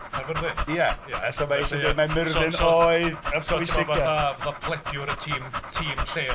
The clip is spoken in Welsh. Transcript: Caerfyrddin. Ia so, mae isio deud mae Myrddin oedd... Fatha plediwr y tîm... tîm lleol